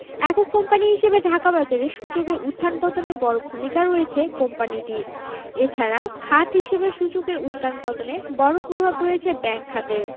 একক কোম্পানি হিসেবে ঢাকার বাজারে সূচকের উত্থান পতনে বড় ভূমিকা রয়েছে কোম্পানিটির এ ছাড়া খাত হিসেবে সূচকের উত্থান পতনে বড় প্রভাব রয়েছে ব্যাংক খাতের